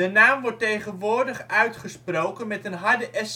naam wordt tegenwoordig uitgesproken met een harde sch